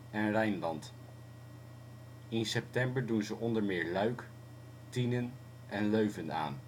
en Rijnland. In september doen ze onder meer Luik, Tienen en Leuven aan